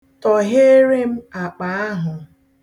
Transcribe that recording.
Tọheere m akpa ahụ.